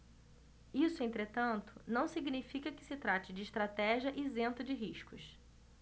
isso entretanto não significa que se trate de estratégia isenta de riscos